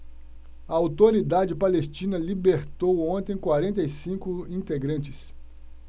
a autoridade palestina libertou ontem quarenta e cinco integrantes